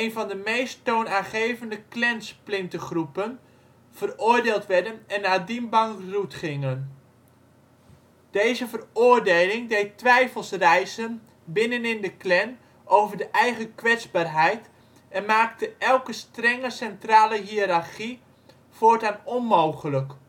van de meest toonaangevende Klan-splintergroepen, veroordeeld werden en nadien bankroet gingen. Deze veroordeling deed twijfels rijzen binnenin de Klan over de eigen kwetsbaarheid en maakte elke strenge centrale hiërarchie voortaan onmogelijk